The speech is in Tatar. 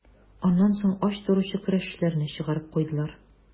Аннан соң ач торучы көрәшчеләрне чыгарып куйдылар.